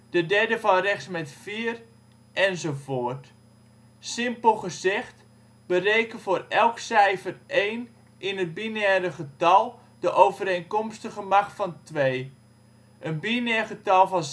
de derde van rechts met 4, enz. Binair 2 (positie van de 1) - 1 Decimaal Binair 2 (positie van de 1) - 1 Decimaal 100000 25 32 010000 24 16 010000 24 16 001000 23 8 000100 22 4 000100 22 4 000010 21 2 000001 20 1 000001 20 1 111111 25+24+23+22+21+20 63 010101 24+22+20 21 Simpel gezegd: Bereken voor elk cijfer 1 in het binaire getal, de overeenkomstige macht van 2. Een binair getal van